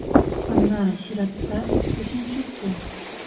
Аннары чиратта - өченчесе.